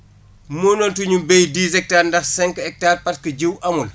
mënatuñu béy dix hectares ndax cinq hectares parce que jiw amul